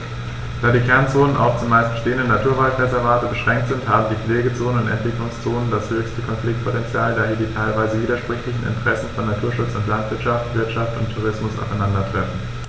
Da die Kernzonen auf – zumeist bestehende – Naturwaldreservate beschränkt sind, haben die Pflegezonen und Entwicklungszonen das höchste Konfliktpotential, da hier die teilweise widersprüchlichen Interessen von Naturschutz und Landwirtschaft, Wirtschaft und Tourismus aufeinandertreffen.